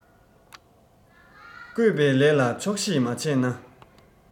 བཀོད པའི ལས ལ ཆོག ཤེས མ བྱས ན